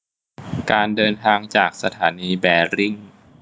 การเดินทางจากสถานีแบริ่ง